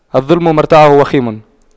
الظلم مرتعه وخيم